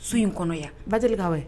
So in kɔnɔ yan ba ka